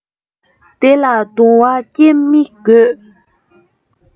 དེ ལ གདུང བ བསྐྱེད མི དགོས